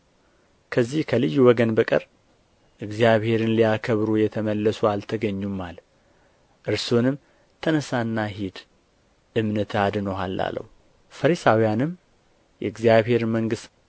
ከዚህ ከልዩ ወገን በቀር እግዚአብሔርን ሊያከብሩ የተመለሱ አልተገኙም አለ እርሱንም ተነሣና ሂድ እምነትህ አድኖሃል አለው ፈሪሳውያንም የእግዚአብሔር መንግሥት